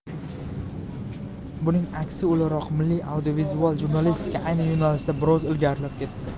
buning aksi o'laroq milliy audiovizual jurnalistika ayni yo'nalishda biroz ilgarilab ketdi